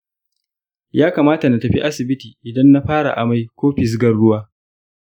ya kamata na tafi asibiti idan na fara amai ko fizgan ruwa.